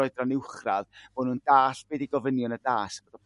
oedran uwchradd bo' n'w'n dalld be 'di gofynion y dasg